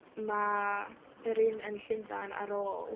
Ma' yr un yn Llundain ar ôl.